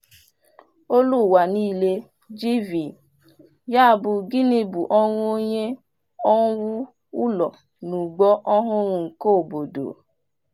Global Voices (GV): Yabụ gịnị bụ ọrụ onye owu ụlọ n'ụgbọ ọhụrụ nke obodo?